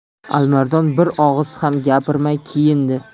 alimardon bir og'iz ham gapirmay kiyindi